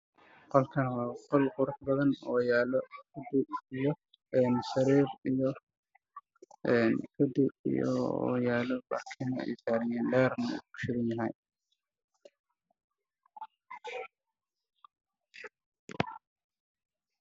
Halkaan waa qol dheer ayaa ka daaran waxaa ii muuqda fadhig midabkiisu yahay dahabi darbiga waddani